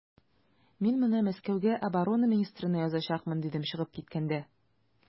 Мин моны Мәскәүгә оборона министрына язачакмын, дидем чыгып киткәндә.